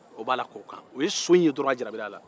o b'a la k'o kan o ye so in dɔrɔrn a jarabila la